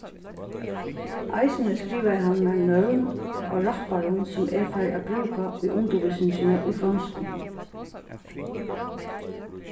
eisini skrivaði hann mær nøvn á rapparum sum eg fari at brúka í undirvísingini í fronskum